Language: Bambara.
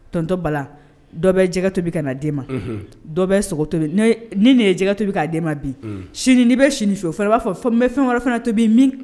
Tɔnontɔ bala dɔ bɛ jɛgɛ tobi ka' den ma dɔ bɛ sogo to ni nin ye jɛgɛ to bɛ k'a d' ma bi sini bɛ sini su o fɔlɔ b'a fɔ bɛ fɛn wɛrɛ fana tobi min